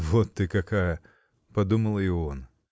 "вот ты какая", -- подумал и он.